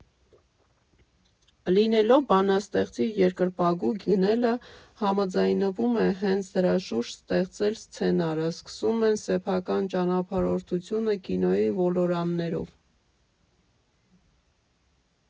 Լինելով բանաստեղծի երկրպագու՝ Գնելը համաձայնվում է հենց դրա շուրջ ստեղծել սցենարը, սկսում են սեփական ճանապարհորդությունը կինոյի ոլորաններով։